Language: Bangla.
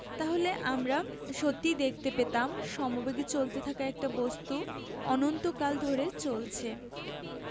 তাহলে আমরা সত্যিই দেখতে পেতাম সমবেগে চলতে থাকা একটা বস্তু অনন্তকাল ধরে চলছে